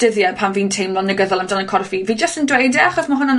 dyddie pan fi'n teimlo negyddol amdan 'yn corff fi f jyst yn dweud e, achos ma' hwnna'n